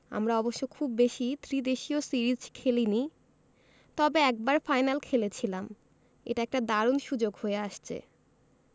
আমরা অবশ্য খুব বেশি ত্রিদেশীয় সিরিজ খেলেনি তবে একবার ফাইনাল খেলেছিলাম এটা একটা দারুণ সুযোগ হয়ে আসছে